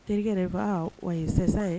Terikɛ yɛrɛ fa wa ye sɛ ye